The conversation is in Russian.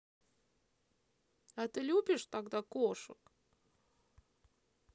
а ты любишь тогда кошек